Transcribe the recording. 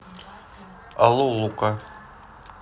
алло лука